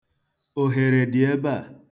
Ohere dị ebe a.